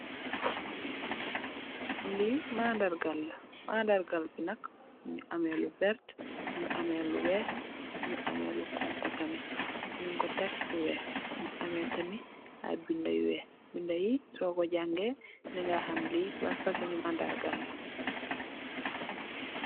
Li Mandarga la, mandarga bi nak mugii ameh lu werta, mugii ameh lu wèèx , mugii ameh lu xonxu tamit ñing ko tèk fu wèèx. Mugii ameh lu ay bindé yu wèèx, bindé yi so ko jangèè di ga xam li ban fasung mandarga la.